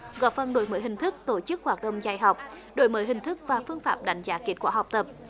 góp phần đổi mới hình thức tổ chức hoạt động dạy học đổi mới hình thức và phương pháp đánh giá kết quả học tập